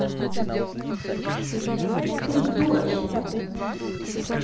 придурочная